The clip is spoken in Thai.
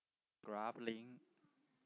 กราฟลิ้ง